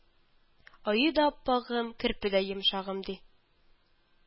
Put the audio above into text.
Аю да аппагым, керпе дә йомшагым, ди